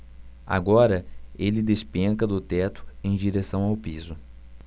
agora ele despenca do teto em direção ao piso